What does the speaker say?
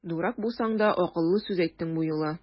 Дурак булсаң да, акыллы сүз әйттең бу юлы!